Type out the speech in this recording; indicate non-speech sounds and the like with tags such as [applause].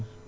[hesitation] [hesitation]